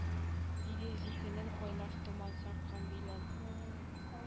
Диде зиһенен кайнар томан сарган вилен